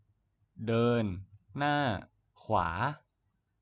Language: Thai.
เดินหน้าขวา